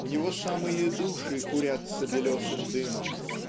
у него самые души курятся белесым дымом